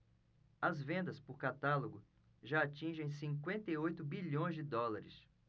as vendas por catálogo já atingem cinquenta e oito bilhões de dólares